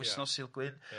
wythnos Sulgwyn...